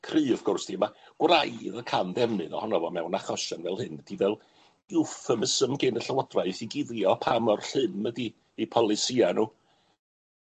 cry wrth gwrs 'di ma' gwraidd y camddefnydd ohono fo mewn achosion fel hyn ydi fel euphemism gin y Llywodraeth i guddio pa mor llym ydi eu polisia nw.